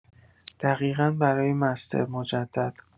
دقیقا برای مستر مجدد